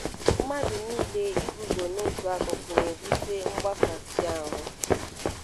Mmadụ niile ị guzo n'otu akụkụ na-ebute mgbakasị ahụ.